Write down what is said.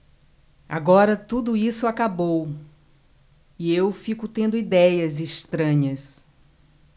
agora tudo isso acabou e eu fico tendo idéias estranhas